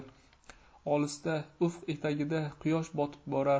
olisda ufq etagida quyosh botib borar